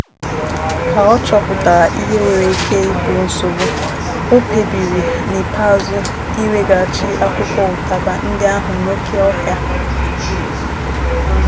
Ka ọ chọpụtara ihe nwere ike ịbụ nsogbu, o kpebiri n'ikpeazụ iweghachi akwụkwọ ụtaba ndị ahụ n'oke ohịa.